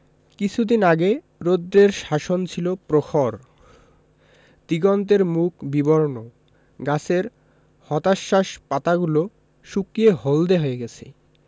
কিছুদিন আগে রৌদ্রের শাসন ছিল প্রখর দিগন্তের মুখ বিবর্ণ গাছের হতাশ্বাস পাতাগুলো শুকিয়ে হলদে হয়ে গেছে